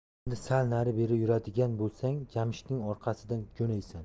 endi sal nari beri yuradigan bo'lsang jamshidning orqasidan jo'naysan